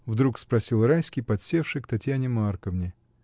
— вдруг спросил Райский, подсевши к Татьяне Марковне.